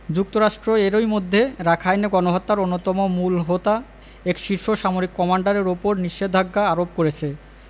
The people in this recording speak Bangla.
যুক্তরাষ্ট্র এরই মধ্যে রাখাইনে গণহত্যার অন্যতম মূল হোতা এক শীর্ষ সামরিক কমান্ডারের ওপর নিষেধাজ্ঞা আরোপ করেছে